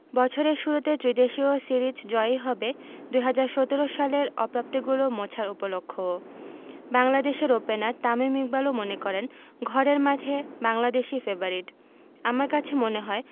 বছরের শুরুতে ত্রিদেশীয় সিরিজ জয়ই হবে ২০১৭ সালের অপ্রাপ্তিগুলো মোছার উপলক্ষও বাংলাদেশের ওপেনার তামিম ইকবালও মনে করেন ঘরের মাঠে বাংলাদেশই ফেবারিট আমার কাছে মনে হয়